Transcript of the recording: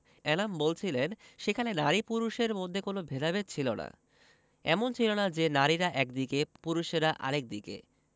এনাম বলছিলেন সেখানে নারী পুরুষের মধ্যে কোনো ভেদাভেদ ছিল না এমন ছিল না যে নারীরা একদিকে পুরুষেরা আরেক দিকে